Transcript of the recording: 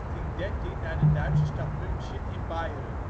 in 1913 naar de Duitse stad München in Beieren. Toen de